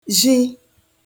-zhi